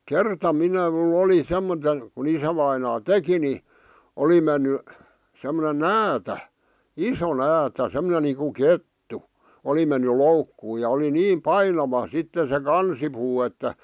kerta minä minulla oli - kun isävainaa teki niin oli mennyt semmoinen näätä iso näätä semmoinen niin kuin kettu oli mennyt loukkuun ja oli niin painava sitten se kansipuu että